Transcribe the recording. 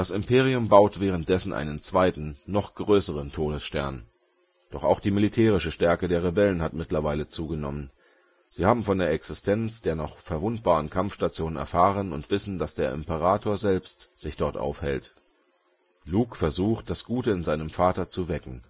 Imperium baut währenddessen einen zweiten, noch größeren Todesstern. Doch auch die militärische Stärke der Rebellen hat mittlerweile zugenommen. Sie haben von der Existenz der noch verwundbaren Kampfstation erfahren und wissen, dass der Imperator sich dort aufhält. Luke versucht, das Gute in seinem Vater zu wecken